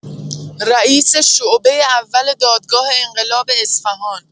رییس شعبه اول دادگاه انقلاب اصفهان